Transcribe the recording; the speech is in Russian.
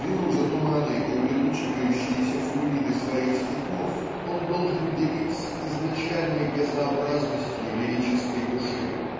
вину за туманы и улетучивающиеся флюиды своих стихов он должен делить с изначальной газообразностью лирической души.